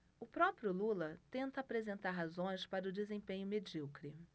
o próprio lula tenta apresentar razões para o desempenho medíocre